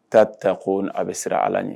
a bɛ siran Ala ɲɛ.